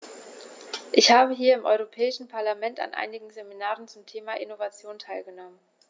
Ich habe hier im Europäischen Parlament an einigen Seminaren zum Thema "Innovation" teilgenommen.